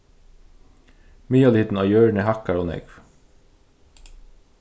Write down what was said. miðalhitin á jørðini hækkar ov nógv